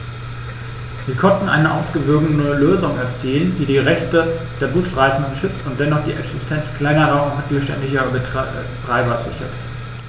Wir konnten eine ausgewogene Lösung erzielen, die die Rechte der Busreisenden schützt und dennoch die Existenz kleiner und mittelständischer Betreiber sichert.